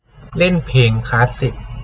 เล่นเพลงคลาสสิค